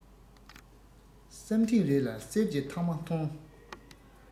བསམ ཐེངས རེ ལ གསེར གྱི ཐང མ མཐོང